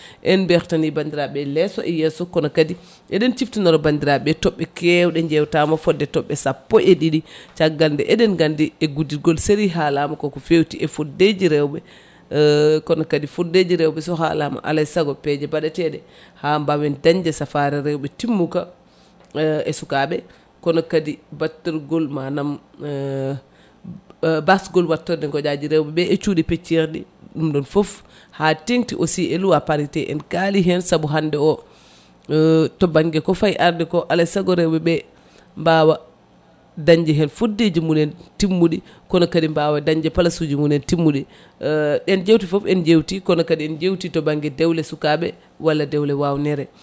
en bertani bandiraɓe lesso e yesso kono kadi eɗen ciftonora bandiraɓe tobɓe kewɗe jewtama fodde tobɓe sappo e ɗiɗi caggal nde eɗen gandi e guddidgol série ha laaɓa koko fewti e foddeji rewɓe kono kadi foddeji rewɓe so haalama alay saago peeje mbaɗeteɗe ha mbawen dañde safaro rewɓe timmuka e sukaɓe kono kadi battirgol manam basgol wattorde goƴaji rewɓeɓe e cuuɗi peccirɗi ɗum ɗon foof ha tengti aussi e loi parité en kaali hen saabu hande o to banggue ko fayi arde ko alay saago rewɓeɓe mbawa dañde hen foddeji mumen timmuɗi kono kadi mbawa dañde place uji mumen timmuɗi ɗen jewte foof en jewti kono kadi en jewti to banggue dewle sukaɓe walla dewle wawnere